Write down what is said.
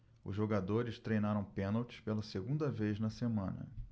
os jogadores treinaram pênaltis pela segunda vez na semana